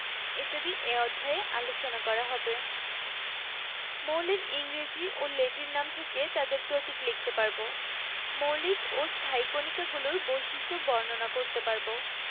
ইত্যাদি এ অধ্যায়ে আলোচনা করা হবে মৌলের ইংরেজি ও ল্যাটিন নাম থেকে তাদের প্রতীক লিখতে পারব মৌলিক ও স্থায়ী কণিকাগুলোর বৈশিষ্ট্য বর্ণনা করতে পারব